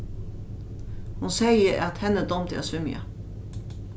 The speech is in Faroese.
hon segði at henni dámdi at svimja